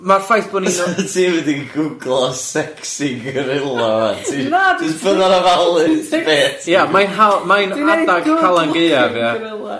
ma'r ffaith bo' ni'n o- Ti myndi gwglo sexy gorilla. Na. Ti jyst bydd o'n ofalus bet ia. Mae'n ha- mae'n adag Calan Gaeaf ia?